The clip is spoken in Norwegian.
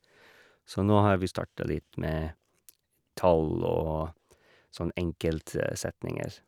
Så nå har vi starta litt med tall og sånn enkelte setninger.